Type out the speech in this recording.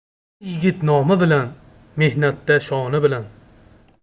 er yigit nomi bilan mehnatda shoni bilan